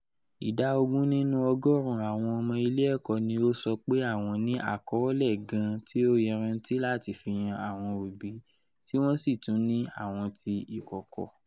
Ida ogun nínú ọgorun awọn ọmọ ile ẹkọ ni o sọ pe awọn ni akọọlẹ ‘’gan’’ ti o yanranti lati fihan awọn obi, ti wọn si tun ni awọn ti ikọkọ.